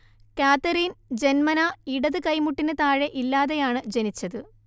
Catherine ജന്മനാ ഇടത് കൈമുട്ടിന് താഴെ ഇല്ലാതെയാണ് ജനിച്ചത്